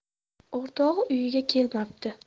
o'rtog'i uyiga kelmabdi